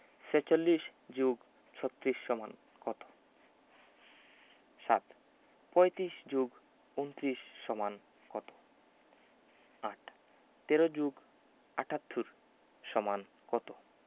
৪৬ + ৩৬ = কত ৭ ৩৫ + ২৯ = কত ৮ ১৩ + ৭৮ = কত